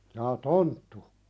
jaa tonttu